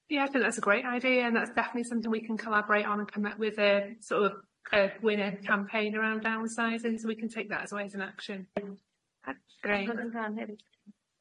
Yeah I think that's a great idea and that's definitely something we can collaborate on and come a- with yy so' of yy Gwynedd campaign around downsizing so we can take that away as an action. Great.